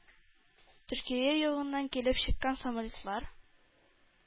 Төркия ягыннан килеп чыккан самолетлар